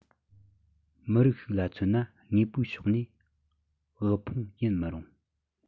མི རིགས ཤིག ལ མཚོན ན དངོས པོའི ཕྱོགས ནས དབུལ ཕོངས ཡིན མི རུང